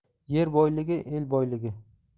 yer boyligi el boyligi